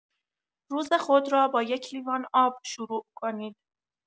روز خود را با یک لیوان آب شروع کنید.